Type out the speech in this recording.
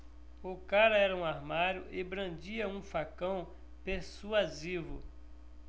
o cara era um armário e brandia um facão persuasivo